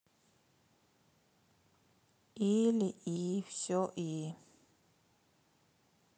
или и все и